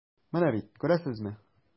Менә бит, күрәсезме.